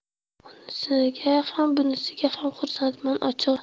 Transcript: unisiga ham bunisiga ham xursandman ochig'i